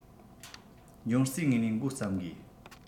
འབྱུང རྩའི ངོས ནས འགོ བརྩམ དགོས